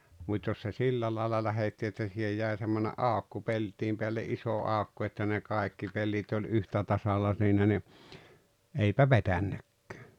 mutta jos se sillä lailla lähetti että siihen jäi semmoinen aukko pellin päälle iso aukko että ne kaikki pellit oli yhtä tasalla siinä niin eipä vetänytkään